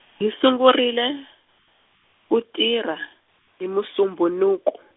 hi sungurile, ku tirha, hi Musumbhunuku.